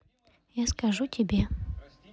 я скажу тебе